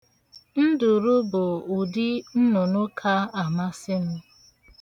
Nduru bụ ụdị nnụnụ ka amasị m.